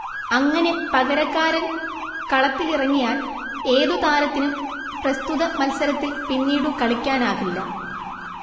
അങ്ങനെ പകരക്കാരൻ കളത്തിലിറങ്ങിയാൽ ഏതു താരത്തിനും പ്രസ്തുത മത്സരത്തിൽ പിന്നീടു കളിക്കാനാകില്ല